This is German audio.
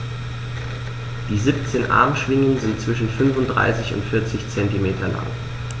Die 17 Armschwingen sind zwischen 35 und 40 cm lang.